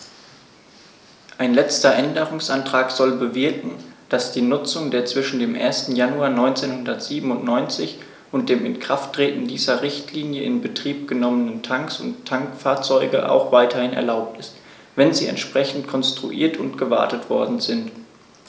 Ein letzter Änderungsantrag soll bewirken, dass die Nutzung der zwischen dem 1. Januar 1997 und dem Inkrafttreten dieser Richtlinie in Betrieb genommenen Tanks und Tankfahrzeuge auch weiterhin erlaubt ist, wenn sie entsprechend konstruiert und gewartet worden sind.